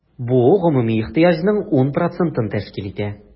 Бу гомуми ихтыяҗның 10 процентын тәшкил итә.